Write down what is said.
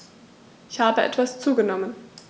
Ich habe etwas zugenommen